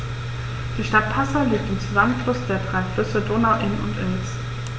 Die Stadt Passau liegt am Zusammenfluss der drei Flüsse Donau, Inn und Ilz.